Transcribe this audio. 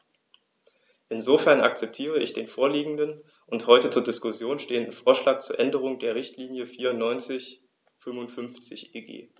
Insofern akzeptiere ich den vorliegenden und heute zur Diskussion stehenden Vorschlag zur Änderung der Richtlinie 94/55/EG.